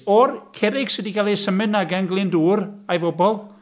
O'r cerrig sy 'di cael ei symud 'na gan Glyndŵr a'i fobl...